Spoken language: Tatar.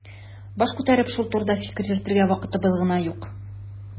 Баш күтәреп шул турыда фикер йөртергә вакытыбыз гына юк.